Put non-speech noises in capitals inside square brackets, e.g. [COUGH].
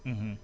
[HESITATION] [HESITATION]